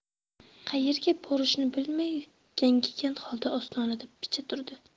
qaerga borishini bilmay gangigan holda ostonada picha turdi